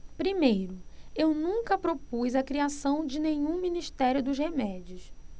primeiro eu nunca propus a criação de nenhum ministério dos remédios